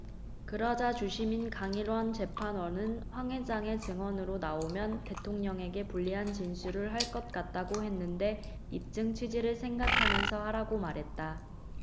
그러자 주심인 강일원 재판관은 황 회장은 증인으로 나오면 대통령에게 불리한 진술을 할 것 같다고 했는데 입증 취지를 생각하면서 하라고 말했다